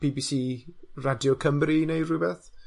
bee bee see radio Cymru neu rhwbeth?